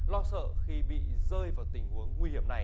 lo sợ khi bị rơi vào tình huống nguy hiểm này